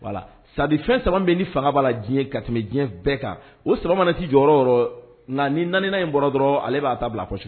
Sadi fɛn saba bɛ ni faga b' la diɲɛ ka tɛmɛ diɲɛ bɛɛ kan o mana tɛ jɔyɔrɔ yɔrɔ ni naaniani inɔrɔ dɔrɔn ale b'a taa bila kosɛbɛ